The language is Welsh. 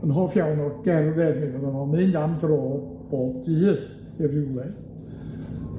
yn hoff iawn o gerdded mi fydda fo'n mynd am dro bob dydd i rywle.